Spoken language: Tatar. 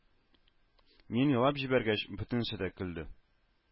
Мин елап җибәргәч, бөтенесе дә көлде